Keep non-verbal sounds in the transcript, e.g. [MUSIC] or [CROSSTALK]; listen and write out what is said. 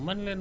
[HESITATION] [HESITATION]